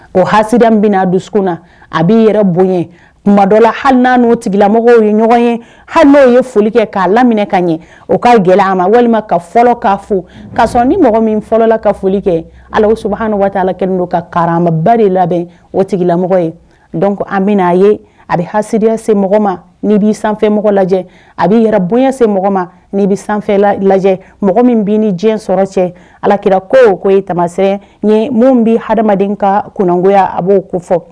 O ha bɛna dusu na a b'i yɛrɛ bonya ma dɔla hali n' n'o tigilamɔgɔ ye ɲɔgɔn ye hali n ye foli kɛ k'a lamminainɛ ka ɲɛ o ka gɛlɛya a ma walima ka fɔ ka fo k ka sɔrɔ ni mɔgɔ min fɔlɔla ka foli kɛ alaso hali ni waati ala kɛlen don ka karamaba de labɛn o tigilamɔgɔ ye dɔn a bɛna a ye a bɛ haya se mɔgɔ ma ni bi sanfɛmɔgɔ lajɛ a bɛ yɛrɛ bonya se ma bɛ sanfɛ lajɛ mɔgɔ min bɛ ni diɲɛ sɔrɔ cɛ alakira ko koo ye tamasɛ minnu bɛ ha adamadamaden ka kungoya a b'o ko fɔ